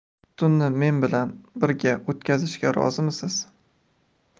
tunni men bilan birga o'tkazishga rozimisiz